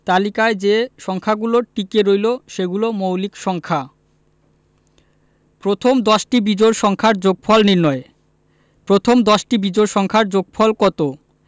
তালিকায় যে সংখ্যাগুলো টিকে রইল সেগুলো মৌলিক সংখ্যা প্রথম দশটি বিজোড় সংখ্যার যোগফল নির্ণয় প্রথম দশটি বিজোড় সংখ্যার যোগফল কত